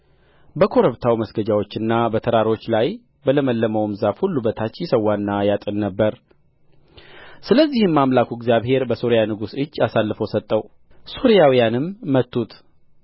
በኮረብታው መስገጃዎችና በተራሮች ላይ በለመለመውም ዛፍ ሁሉ በታች ይሠዋና ያጥን ነበር ስለዚህ አምላኩ እግዚአብሔር በሶርያ ንጉሥ እጅ አሳልፎ ሰጠው ሶርያውያንም መቱት